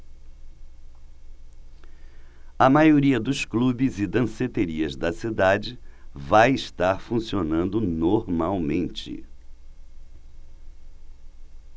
a maioria dos clubes e danceterias da cidade vai estar funcionando normalmente